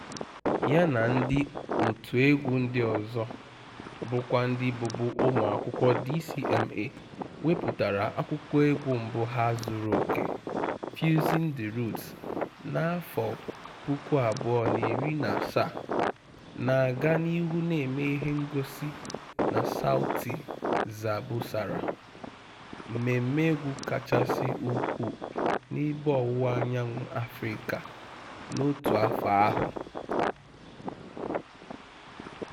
Ya na ndị otu egwu ndị ọzọ, bụkwa ndị bụbu ụmụakwụkwọ DCMA, wepụtara akwụkwọ egwu mbụ ha zuru oke, "Fusing the Roots" na 2018, na-aga n'ihu na-eme ihe ngosi na Sauti za Busara, mmemme egwu kachasị ukwuu n'Ebe Ọwụwa Anyanwụ Afịrịka, n'otu afọ ahụ.